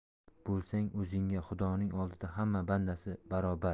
bek bo'lsang o'zingga xudoning oldida hamma bandasi barobar